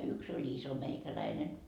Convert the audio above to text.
yksi oli iso meikäläinen